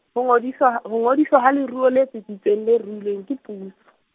ho ngodiswa, ho ngodiswa ha leruo le tsitsitseng le ruilweng ke puso.